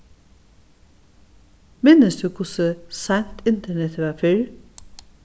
minnist tú hvussu seint internetið var fyrr